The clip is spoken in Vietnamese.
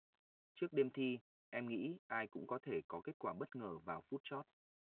trước đêm thi em nghĩ ai cũng có thể có kết quả bất ngờ vào phút chót